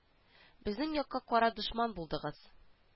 Безнең якка кара дошман булдыгыз